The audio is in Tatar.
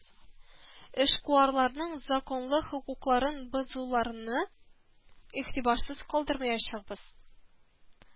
Эшкуарларның законлы хокукларын бозуларны игътибарсыз калдырмаячакбыз